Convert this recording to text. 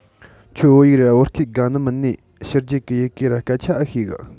ཁྱོད བོད ཡིག ར བོད སྐད དགའ ནི མིན ནས ཕྱི རྒྱལ གི ཡི གེ ར སྐད ཆ ཨེ ཤེས གི